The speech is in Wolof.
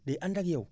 day ànd ak yow